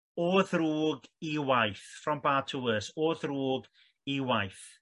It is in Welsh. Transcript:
o ddrwg i waeth from bad to worse o ddrwg i waeth.